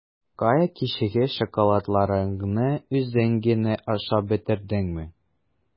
Кая, кичәге шоколадларыңны үзең генә ашап бетердеңме?